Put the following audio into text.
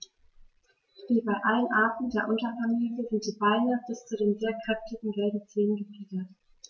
Wie bei allen Arten der Unterfamilie sind die Beine bis zu den sehr kräftigen gelben Zehen befiedert.